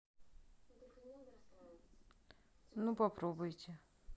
ну попробуйте